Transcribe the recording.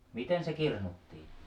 miten se kirnuttiin